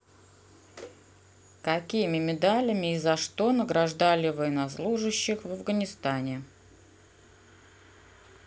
какими медалями и за что награждали военнослужащих в афганистане